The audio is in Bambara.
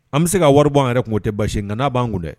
An bɛ se ka wariban yɛrɛ kun tɛ basi nka n' b'an kun dɛ